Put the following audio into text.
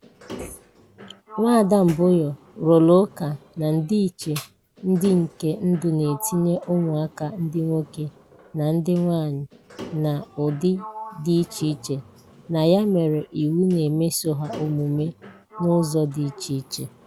Nwaada Mbuya rụrụ ụka na ndịiche ndị nke ndụ na-etinye ụmụaka ndị nwoke na ndị nwaanyị na "ụdị dị iche iche" na ya mere, iwu na-emeso ha omume n'ụzọ dị iche.